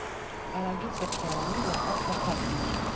«Արագիլ» սրճարանի լքված հարթակն էր։